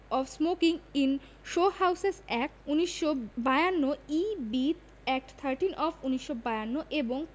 Of smoking in show houses act ১৯৫২ EB. Act thirteen of ১৯৫২ এবং